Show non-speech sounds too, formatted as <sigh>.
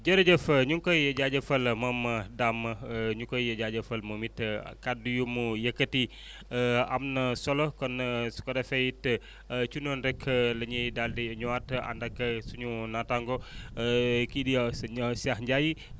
jërëjëf <hesitation> ñu ngi koy jaajëfal moom Dame <hesitation> ñu koy jaajëfal moom it ak kàddu yu mu yëkkati <breath> <hesitation> am na solo kon <hesitation> su ko defee it <breath> noonu rezk <hesitation> la ñuy daal di ñëwaat ànd ak suñu naataango <breath> <hesitation> kii di sëñ Cheikh Ndiaye <breath>